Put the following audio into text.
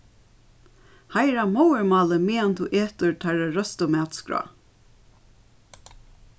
heiðra móðurmálið meðan tú etur teirra røstu matskrá